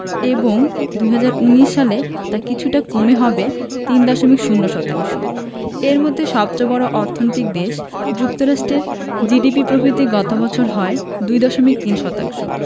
এবং ২০১৯ সালে তা কিছুটা কমে হবে ৩.০ শতাংশ এর মধ্যে সবচেয়ে বড় অর্থনৈতিক দেশ যুক্তরাষ্ট্রের জিডিপি প্রবৃদ্ধি গত বছর হয় ২.৩ শতাংশ